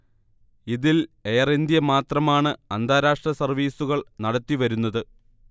ഇതിൽ Air India മാത്രമാണ് അന്താരാഷ്ട്ര സർവീസുകൾ നടത്തി വരുന്നത്